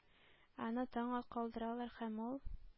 Аны таң калдыралар, һәм ул